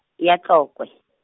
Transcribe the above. ya Tlokwe .